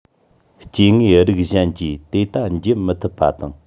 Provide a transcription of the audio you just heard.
སྐྱེ དངོས རིགས གཞན གྱིས དེ ལྟ བགྱི མི ཐུབ པ དང